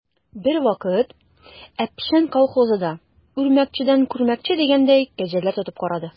Бервакыт «Әпшән» колхозы да, үрмәкчедән күрмәкче дигәндәй, кәҗәләр тотып карады.